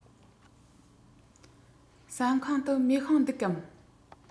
ཟ ཁང དུ མེ ཤིང འདུག གམ